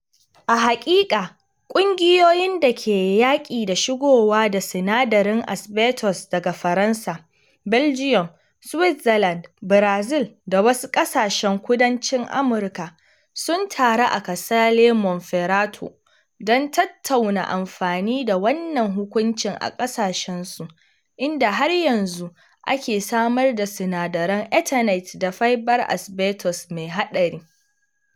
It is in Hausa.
A haƙiƙa, ƙungiyoyin da ke yaƙi da shigo da sinadarin asbestos daga Faransa, Belgium, Switzerland, Brazil, da wasu ƙasashen Kudancin Amurka sun taru a Casale Monferrato don tattauna amfani da wannan hukuncin a ƙasashensu, inda har yanzu ake samar da sinadaran Eternit da fibar asbestos mai haɗari.